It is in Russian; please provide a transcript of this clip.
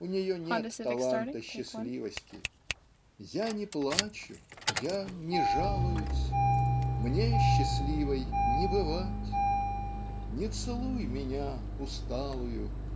у нее нет таланта счастливости Я не плачу я не жалуюсь Мне счастливой не бывать Не целуй меня усталую